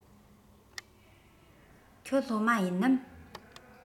ཁྱོད སློབ མ ཡིན ནམ